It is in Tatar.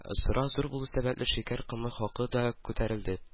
Сорау зур булу сәбәпле, шикәр комы хакы да күтәрелде